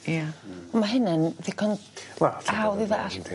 Ia. Hmm. Ma' hynna'n ddigon... Wel... ...hawdd i ddallt...